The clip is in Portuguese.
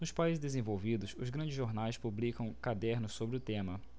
nos países desenvolvidos os grandes jornais publicam cadernos sobre o tema